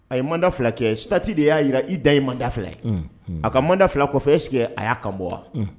A ye mandat 2 kɛ statut de y'a yira i dan ye mandat 2 ye unhun a ka mandat 2 kɔfɛ est ce que a y'a kanbɔ wa unh